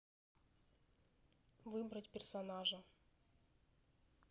выбрать персонажа